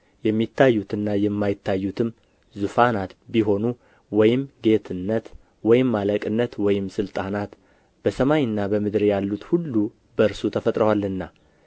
የሚታዩትና የማይታዩትም ዙፋናት ቢሆኑ ወይም ጌትነት ወይም አለቅነት ወይም ሥልጣናት በሰማይና በምድር ያሉት ሁሉ በእርሱ ተፈጥረዋልና